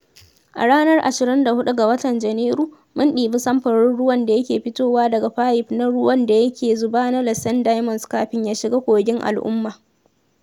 A ranar 24 ga watan Janairu, mun ɗibi samfurin ruwan da yake fitowa daga fayif na ruwan da yake zuba na Letšeng Diamonds kafin ya shiga kogin al'umma.